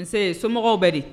Nse somɔgɔw bɛ di